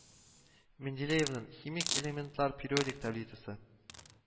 Менделеевның химик элементлар периодик таблицасы